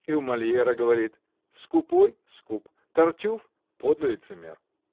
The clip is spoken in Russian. И у Мольера, говорит, скупой — скуп, Тартюф — подлый лицемер.